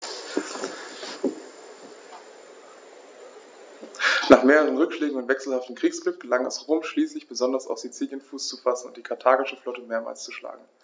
Nach mehreren Rückschlägen und wechselhaftem Kriegsglück gelang es Rom schließlich, besonders auf Sizilien Fuß zu fassen und die karthagische Flotte mehrmals zu schlagen.